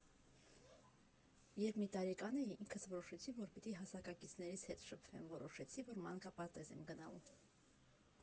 Երբ մի տարեկան էի, ինքս որոշեցի, որ պիտի հասակակիցներից հետ շփվեմ, որոշեցի, որ մանկապարտեզ եմ գնալու։